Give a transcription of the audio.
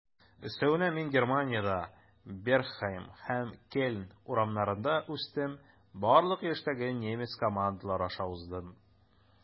Өстәвенә, мин Германиядә, Бергхайм һәм Кельн урамнарында үстем, барлык яшьтәге немец командалары аша уздым.